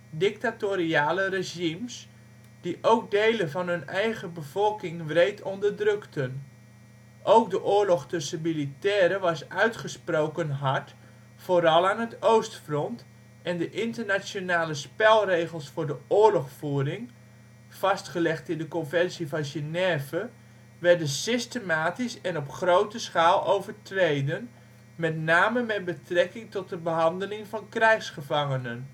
dictatoriale regimes, die ook delen van hun eigen bevolking wreed onderdrukten. Ook de oorlog tussen militairen was uitgesproken hard, vooral aan het oostfront, en de internationale " spelregels " voor de oorlogvoering (vastgelegd in de Conventie van Genève) werden systematisch en op grote schaal overtreden, met name met betrekking tot de behandeling van krijgsgevangenen